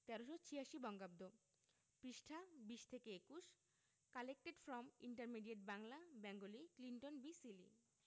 ১৩৮৬ বঙ্গাব্দ পৃষ্ঠাঃ ২০ থেকে ২১ collected from intermediate Bangla Bengali Clinton B Seely